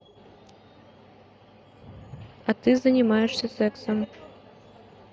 а ты занимаешься сексом